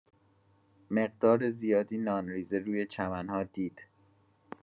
مقدار زیادی نان‌ریزه روی چمن‌ها دید.